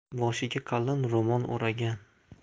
boshiga qalin ro'mol o'ragan